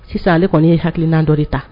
Sisan ale kɔni ye hakilil n naani dɔ de ta